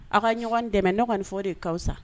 Aw ka ɲɔgɔn dɛmɛ, ne kɔni fɛ o de ka fisa.